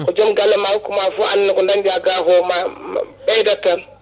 ko joom galle ma hokkuma foof anne ko dañƴa ga ko ma ma ɓeydat tan